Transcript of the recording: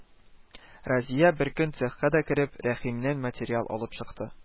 Разия беркөн, цехка да кереп, Рәхимнән материал алып чыкты